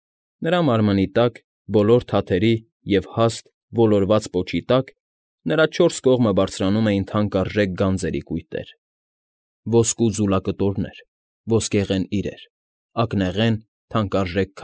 Նրա մարմնի տակ, բոլոր թաթերի և հաստ, ոլորված պոչի տակ, նրա չորս կողմը բարձրանում էին թանկարժեք գանձերի կույտեր. ոսկու ձուլակտորներ, ոսկեղեն իրեր, ակնեղեն, թանկարժեք։